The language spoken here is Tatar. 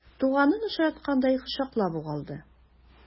Туганын очраткандай кочаклап ук алды.